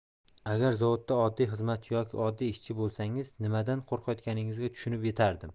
agar zavodda oddiy xizmatchi yoki oddiy ishchi bo'lsangiz nimadan qo'rqayotganingizga tushunib yetardim